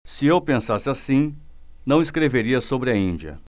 se eu pensasse assim não escreveria sobre a índia